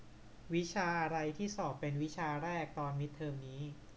วิชาอะไรที่สอบเป็นวิชาแรกตอนมิดเทอมนี้